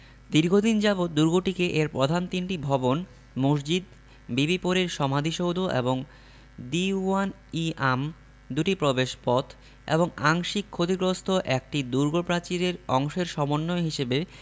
দীর্ঘদিন যাবৎ দুর্গটিকে এর প্রধান তিনটি ভবন মসজিদ বিবি পরীর সমাধিসৌধ এবং দীউয়ান ই আম দুটি প্রবেশপথ এবং আংশিক ক্ষতিগ্রস্ত একটি দুর্গ প্রাচীরের অংশের সমন্বয় হিসেবে